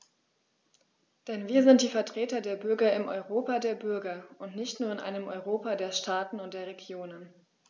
Denn wir sind die Vertreter der Bürger im Europa der Bürger und nicht nur in einem Europa der Staaten und der Regionen.